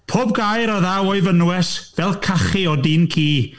Pob gair a ddaw o'i fynwes, fel cachu o din ci.